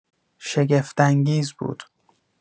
شگفت‌انگیز بود.